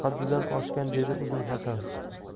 haddidan oshgan dedi uzun hasan